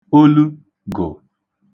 olu gụ̀